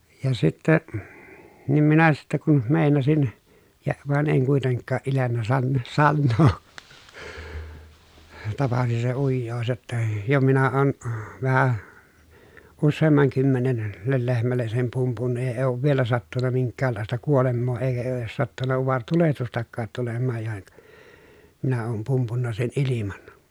ja sitten niin minä sitten kun meinasin ja vaan en kuitenkaan iljennyt - sanoa tapasi se ujous jotta jo minä olen vähän useamman kymmenen - lehmälle sen pumpunnut ja ei ole vielä sattunut minkäänlaista kuolemaa eikä ei ole edes sattunut utaretulehdustakaan tulemaan ja - minä olen pumpunnut sen ilman